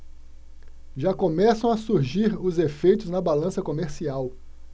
já começam a surgir os efeitos na balança comercial